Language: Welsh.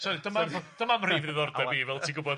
Sori dyma dyma 'mhrif ddiddordeb i fel ti'n gwbod.